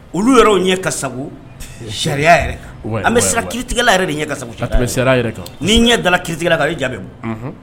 Olu yɛrɛ ɲɛ kasa sariya yɛrɛ an bɛ sira kitigɛ yɛrɛ nin ɲɛ kan ni ɲɛ da kitigila kan a jabon